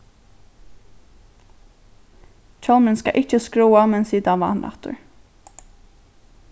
hjálmurin skal ikki skráa men sita vatnrættur